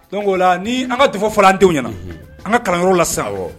Don ko o ola la ni an ka dɔ fana an denw ɲɛna an ka kalanyɔrɔ la sisan rɔ